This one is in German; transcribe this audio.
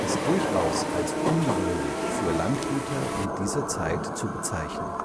ist durchaus als ungewöhnlich für Landgüter in dieser Zeit zu bezeichnen